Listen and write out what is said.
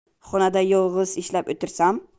xonada yolg'iz ishlab o'tirsam